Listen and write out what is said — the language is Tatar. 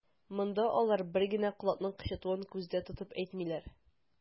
Монда алар бер генә колакның кычытуын күздә тотып әйтмиләр.